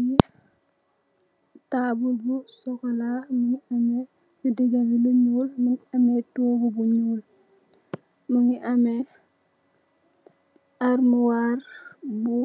Li taabul bu sokola mungi ameh ci diga bi lu ñuul, mungi ameh toogu bu ñuul, mungi ameh almuwar bu